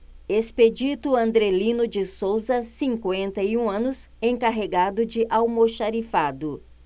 expedito andrelino de souza cinquenta e um anos encarregado de almoxarifado